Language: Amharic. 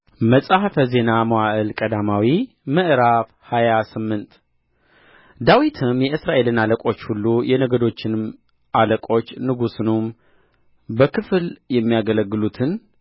መጽሐፈ ዜና መዋዕል ቀዳማዊ ምዕራፍ ሃያ ስምንት ዳዊትም የእስራኤልን አለቆች ሁሉ የነገዶቹንም አለቆች ንጉሡንም በክፍል የሚያገለግሉትን